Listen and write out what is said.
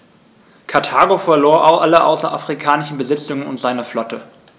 Karthago verlor alle außerafrikanischen Besitzungen und seine Flotte.